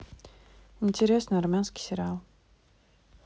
интересный армянский сериал